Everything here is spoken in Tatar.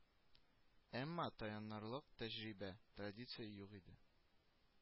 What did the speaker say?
Әмма таянырлык тәҗрибә, традиция юк иде